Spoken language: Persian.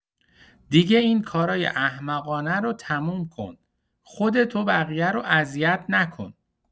دیگه این کارای احمقانه رو تموم کن، خودت و بقیه رو اذیت نکن.